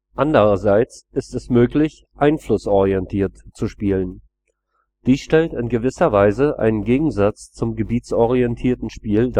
Andererseits ist es möglich, einflussorientiert zu spielen. Dies stellt in gewisser Weise einen Gegensatz zum gebietsorientierten Spiel